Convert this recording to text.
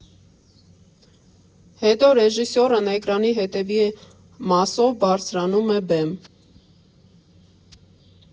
Հետո ռեժիսորն էկրանի հետևի մասով բարձրանում է բեմ։